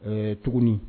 Ɛɛ tuguni